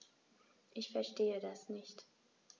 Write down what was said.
Ich verstehe das nicht.